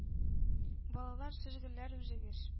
Балалар, сез гөлләр үзегез,